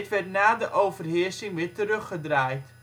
werd na de overheersing weer terug gedraaid